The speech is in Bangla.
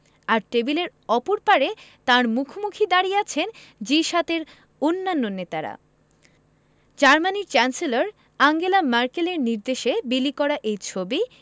আর টেবিলের অপর পারে তাঁর মুখোমুখি দাঁড়িয়ে আছেন জি ৭ এর অন্যান্য নেতারা জার্মানির চ্যান্সেলর আঙ্গেলা ম্যার্কেলের নির্দেশে বিলি করা এই ছবি